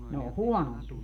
ne on huonompia